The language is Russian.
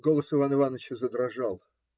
- Голос Ивана Иваныча задрожал.